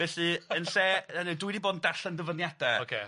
Felly yn lle yy dwi 'di bod yn darllen dyfyniadau... Ocê.